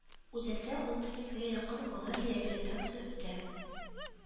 Үзәктә алты йөзгә якын бала реабилитация үтә